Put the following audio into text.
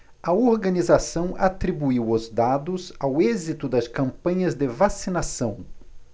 a organização atribuiu os dados ao êxito das campanhas de vacinação